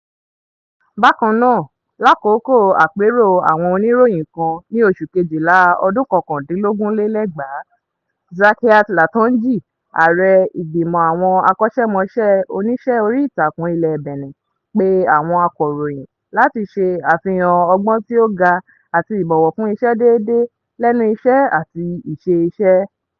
Bákan náà, lákòókò àpérò àwọn oníròyìn kan ní oṣù Kejìlá ọdún 2019, Zakiath Latondji, Ààrẹ ìgbìmọ̀ àwọn akọ́ṣẹ́mọṣẹ́ oníṣẹ́ orí ìtàkùn ilẹ̀ Benin, pe àwọn akọ̀ròyìn láti ṣe àfihàn ọgbọ́n tí ó ga àti ìbọwọ́ fún ìṣe déédé lẹ́nu iṣẹ́ àti ìṣe iṣẹ́.